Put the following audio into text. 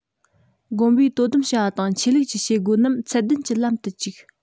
དགོན པའི དོ དམ བྱ བ དང ཆོས ལུགས ཀྱི བྱེད སྒོ རྣམས ཚད ལྡན གྱི ལམ དུ བཅུག